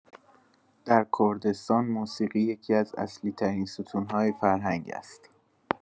در کردستان موسیقی یکی‌از اصلی‌ترین ستون‌های فرهنگ است.